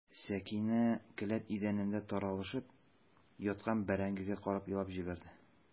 Сәкинә келәт идәнендә таралышып яткан бәрәңгегә карап елап җибәрде.